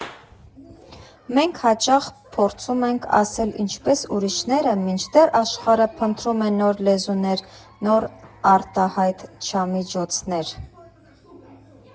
Մենք հաճախ փորձում ենք անել ինչպես ուրիշները, մինչդեռ աշխարհը փնտրում է նոր լեզուներ, նոր արտահայտչամիջոցներ։